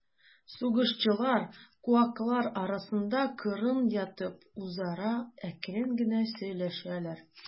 Сугышчылар, куаклар арасында кырын ятып, үзара әкрен генә сөйләшәләр.